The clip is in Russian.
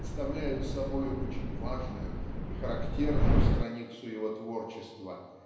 представляют собою очень важную и характерную страницу его творчества